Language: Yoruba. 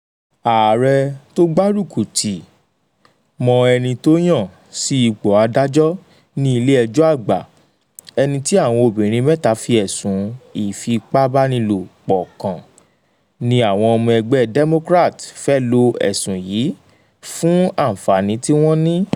Ààrẹ tó gbárúkùtì mọ́ ẹni tó yàn sí ipò adájọ́ ní Ilé-ẹjọ́ Àgbà, eni tí àwọn obìnrin mẹ́ta fi ẹ̀sùn ìfipábánilòpọ̀ kàn, ní àwọn ọmọ ẹgbẹ́ Democrat fẹ lo ẹ̀sùn yí fún àǹfààní ti wọn ni.